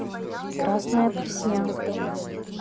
красная пресня